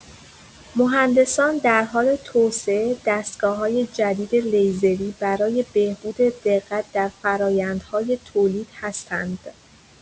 مهندسان در حال توسعه دستگاه‌های جدید لیزری برای بهبود دقت در فرآیندهای تولید هستند.